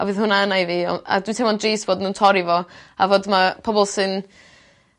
a bydd hwnna yna i fi on- a dwi teimlo'n drist fod nw'n torri fo a fod ma' pobol sy'n